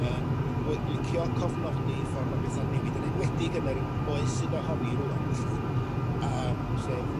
yym dwi'n gwe- licio cofnodi ffor ma' petha'n newid yn enwedig yn yr oes sydd ohoni rŵan felly yy yym sef